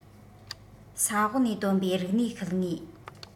ས འོག ནས བཏོན པའི རིག གནས ཤུལ དངོས